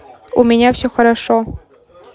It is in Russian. у меня все хорошо